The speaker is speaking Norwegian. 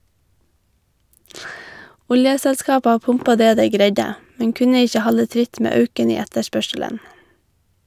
Oljeselskapa pumpa det dei greidde, men kunne ikkje halde tritt med auken i etterspørselen.